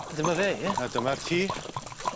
A dyme fa ie? A dyma'r tŷ.